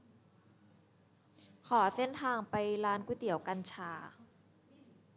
ขอเส้นทางไปร้านก๋วยเตี๋ยวกัญชา